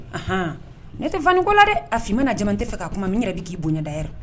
Ɔnhan ne tɛ Wa ko la dɛ, a f'inma n'a jɛma n tɛ fɛ k'a kuma mɛn n yɛrɛ bɛ k'i bonya d'ailleurs